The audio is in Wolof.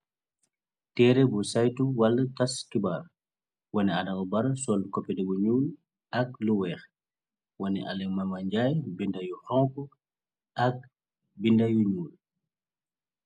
Teereh bu saytu wala tas kibar wanè Adama Barrow sol koppete bu ñuul ak lu weeh, wanè Alieu Mamad Njie, binda yu honku ak binda yu ñuul.